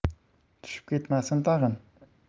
tushib ketmasin tag'in